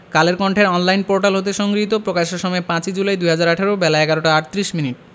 কালের কন্ঠের online portal হতে সংগৃহীত প্রকাশের সময় ৫ ই জুলাই ২০১৮ বেলা ১১টা ৩৮ মিনিট